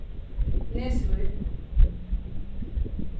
neslíð